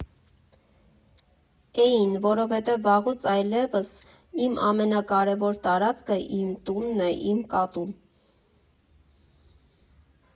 Էին, որովհետև վաղուց այլևս իմ ամենակարևոր տարածքը իմ տունն է, իմ կատուն։